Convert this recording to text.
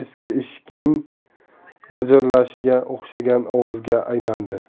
eshikning g'ijirlashiga o'xshagan ovozga aylandi